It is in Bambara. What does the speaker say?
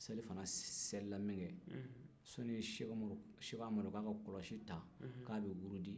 selifana selila min kɛ sanni seko amadu b'a ka kɔlɔsi ta ka bɛ wurudi kɛ